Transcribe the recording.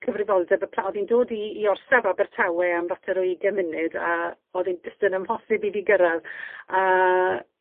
cyfrifoldeb y pla- o'dd i'n dod i i orsaf Abertawe am fater o ugen munud a o'dd 'i'n jyst yn amhosib i fi gyrradd a